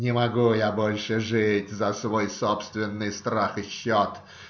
не могу я больше жить за свой собственный страх и счет